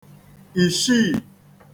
ìshiì